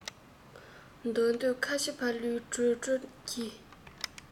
འདོད འདོད ཁ ཆེ ཕ ལུའི གྲོས གྲོས ཀྱི